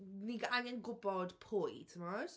Ni angen gwybod pwy, timod?